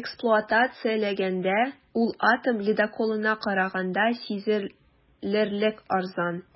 эксплуатацияләгәндә ул атом ледоколына караганда сизелерлек арзан.